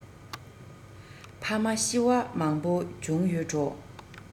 ཕ མ ཤི བ མང པོ བྱུང ཡོད འགྲོ